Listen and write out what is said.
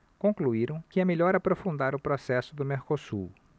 concluíram que é melhor aprofundar o processo do mercosul